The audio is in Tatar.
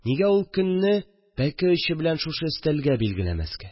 Нигә ул көнне пәке очы белән шушы өстәлгә билгеләмәскә